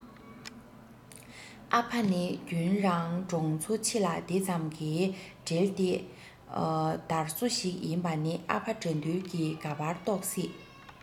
ཨ ཕ ནི རྒྱུན རང གྲོང ཚོ ཕྱི ལ དེ ཙམ གྱི འབྲེལ དེ དར སོ ཞིག ཡིན པ ནི ཨ ཕ དགྲ འདུལ གི ག པར རྟོག སྲིད